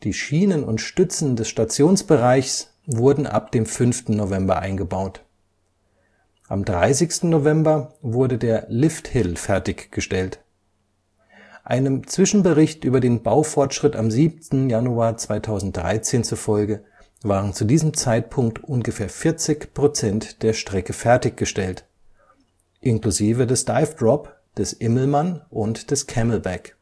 Schienen und Stützen des Stationsbereiches wurden ab dem 5. November eingebaut. Am 30. November wurde der Lifthill fertiggestellt. Einem Zwischenbericht über den Baufortschritt am 7. Januar 2013 zufolge waren zu diesem Zeitpunkt ungefähr 40 % der Strecke fertiggestellt – inklusive des Dive Drop, des Immelmann und des Camelback